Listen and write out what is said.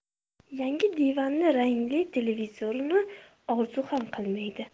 yangi divanni rangli televizorni orzu ham qilmaydi